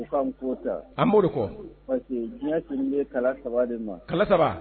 U ka n to tan . An bo de kɔ . parceque diɲɛ sigilen be kala 3 de kan. Kala 3